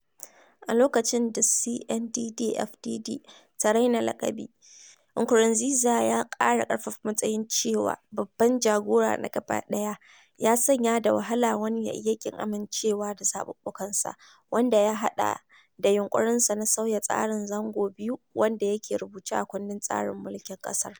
A lokacin da CNDD-FDD ta raina laƙabi, Nkurunziza ya ƙara ƙarfafa matsayin cewa "babban jagora na gabaɗaya" ya sanya da wahala wani ya iya ƙin amincewa da zaɓuɓɓukansa, wanda ya haɗa da yunƙurinsa na sauya tsarin zango biyu wanda yake rubuce a kundin tsarin mulkin ƙasar.